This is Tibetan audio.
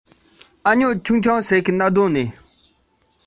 ཀུན ཧ ལམ ཆེད མངགས ང ལ